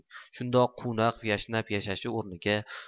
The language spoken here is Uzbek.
shundoq quvnab yashnab yashashi o'rniga